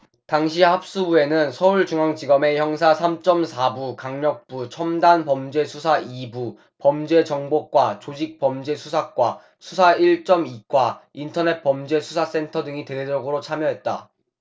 당시 합수부에는 서울중앙지검의 형사 삼 쩜 사 부 강력부 첨단범죄수사 이 부 범죄정보과 조직범죄수사과 수사 일 쩜 이 과 인터넷범죄수사센터 등이 대대적으로 참여했다